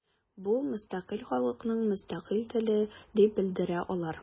Бу – мөстәкыйль халыкның мөстәкыйль теле дип белдерә алар.